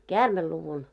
käärmeluvun